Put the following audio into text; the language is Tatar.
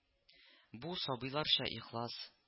Бу сабыйларча ихлас